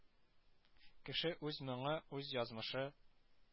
Кеше үз моңы, үз язмышы